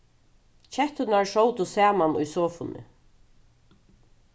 ketturnar sótu saman í sofuni